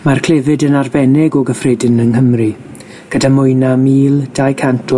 Mae'r clefyd yn arbennig o gyffredin yng Nghymru, gyda mwy na mil dau cant o